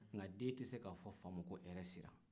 nka den tɛ se k'a fɔ fa ma ko hɛrɛ sila